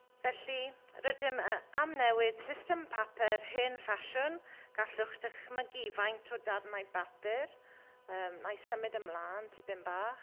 Felly rydym yy am newid system papur hen ffasiwn gallwch dychmygu faint o darnau bapur... yy wna i symud ymlaen tipyn bach.